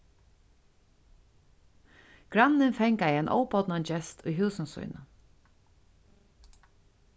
grannin fangaði ein óbodnan gest í húsum sínum